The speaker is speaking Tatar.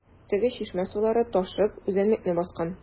Теге чишмә сулары ташып үзәнлекне баскан.